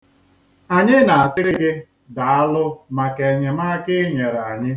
Anyị na-asị gị, "daalụ maka enyemaaka i nyere anyị."